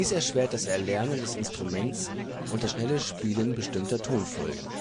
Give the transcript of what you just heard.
erschwert das Erlernen des Instruments und das schnelle Spielen bestimmter Tonfolgen